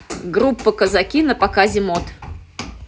группа казаки на показе мод